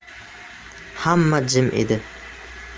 hamma jim edi